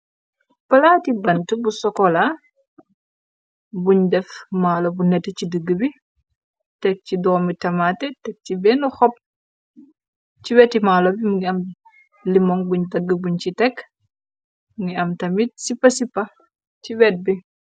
palaati bant bu sokola buñ def maalo bu net ci digg bi tekk ci doomi temate tekk xopci weti malo bimngi am limoŋ buñ tagg buñ ci tekk ngi am tamit sipa-sia ci wet bi